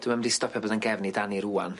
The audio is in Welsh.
Dwi'm mynd i stopio bod yn gefn i Dani rŵan.